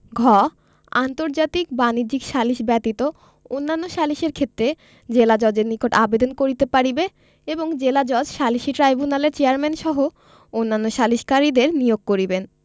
ঘ আন্তর্জাতিক বাণিজ্যিক সালিস ব্যতীত অন্যান্য সালিসের ক্ষেত্রে জেলাজজের নিকট আবেদন করিতে পারিবে এবং জেলাজজ সালিসী ট্রাইব্যুনালের চেয়ারম্যানসহ অন্যান্য সালিসকারীদের নিয়োগ করিবেন